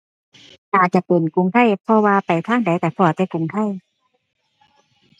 น่าจะเป็นกรุงไทย เพราะว่าไปทางใดก็พ้อแต่กรุงไทย